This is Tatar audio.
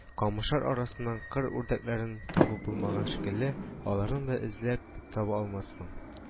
Камышлар арасыннан кыр үрдәкләрен табып булмаган шикелле, аларны да эзләп таба алмассың